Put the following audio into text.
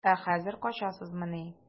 Ә хәзер качасызмыни?